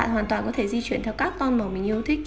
bạn hoàn toàn có thể di chuyển theo các tone màu mình yêu thích